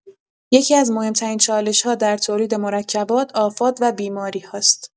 یکی‌از مهم‌ترین چالش‌ها در تولید مرکبات، آفات و بیماری‌ها است.